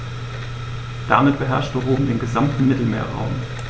Damit beherrschte Rom den gesamten Mittelmeerraum.